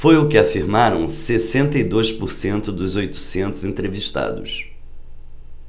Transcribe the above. foi o que afirmaram sessenta e dois por cento dos oitocentos entrevistados